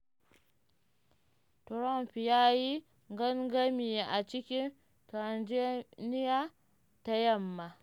Trump ya yi gangami a cikin Virginia ta Yamma.